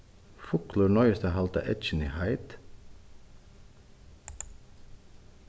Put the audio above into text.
fuglur noyðist at halda eggini heit